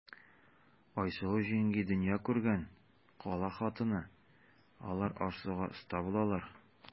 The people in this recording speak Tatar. Айсылу җиңги дөнья күргән, кала хатыны, алар аш-суга оста булалар.